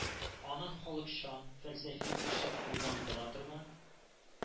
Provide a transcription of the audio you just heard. Аның халыкчан, фәлсәфи, кешене уйландыра торган